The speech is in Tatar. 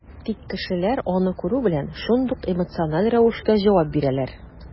Тик кешеләр, аны күрү белән, шундук эмоциональ рәвештә җавап бирәләр.